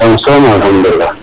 jam somo alkhamdoulila